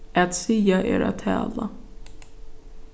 at siga er at tala